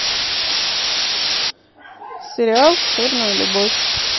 сериал черная любовь